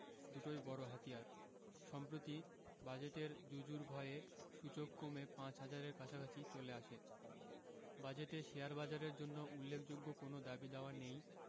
দুটোই বড় হাতিয়ার সম্প্রতি বাজেটের জুজুর ভয়ে সূচক কমে ৫ হাজারের কাছাকাছি চলে আসে বাজেটে শেয়ারবাজারের জন্য উল্লেখযোগ্য কোনো দাবিদাওয়া নেই